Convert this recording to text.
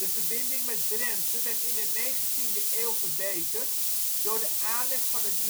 verbinding met Drenthe werd in de 19e eeuw verbeterd door de aanleg van het